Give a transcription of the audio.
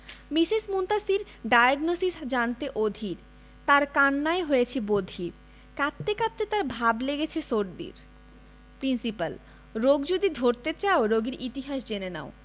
Mrs Muntasir diagnosis জানতে অধীর তার কান্নায় হয়েছি বধির কাঁদতে কাঁদতে তার ভাব লেগেছে সর্দির প্রিন্সিপাল রোগ যদি ধরতে চাও রোগীর ইতিহাস জেনে নাও